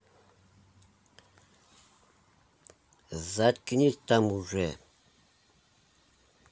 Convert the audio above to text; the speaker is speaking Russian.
заткнись там уже